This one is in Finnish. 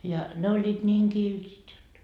ja ne olivat niin kiltit jotta